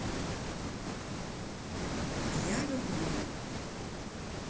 я люблю